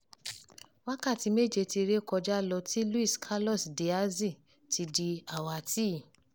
Wákàtí méje ti ré kọjá lọ tí Luis Carlos Díaz ti di àwátì.